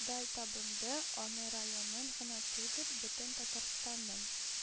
Дай табынды, аны районның гына түгел, бөтен татарстанның